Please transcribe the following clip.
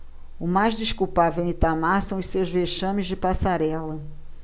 o mais desculpável em itamar são os seus vexames de passarela